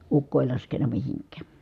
ukko ei laskenut mihinkään